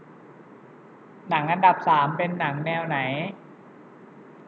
หนังอันดับสามเป็นหนังแนวไหน